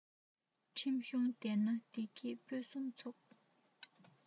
ཁྲིམས གཞུང ལྡན ན བདེ སྐྱིད ཕུན སུམ ཚོགས